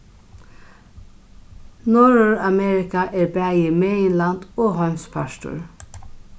norðuramerika er bæði meginland og heimspartur